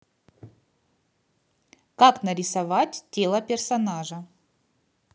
как нарисовать тело персонажа